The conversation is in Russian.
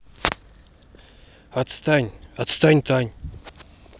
отстань отстань тань